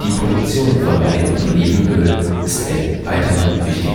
Produktion von Wein und Olivenöl ist ein weiterer wichtiger Wirtschaftszweig